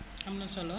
am na solo